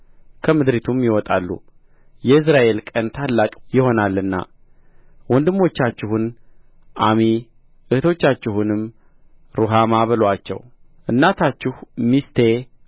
ከምድሪቱም ይወጣሉ የኢይዝራኤል ቀን ታላቅ ይሆናልና ወንድሞቻችሁን ዓሚ እኅቶቻችሁንም ሩሃማ በሉአቸው እናታችሁ ሚስቴ